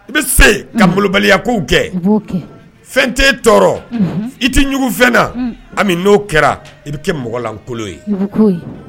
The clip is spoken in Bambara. I bɛ se ka malobaliyakow kɛ, fɛn tɛ e tɔɔrɔ, unhun, i tɛ ɲugu fɛn na, unhun, Ami n'o kɛra i bɛ kɛ mɔgɔlankolon ye, i bɛ k'o ye